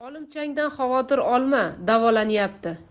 olimchangdan xavotir olma davolanyapti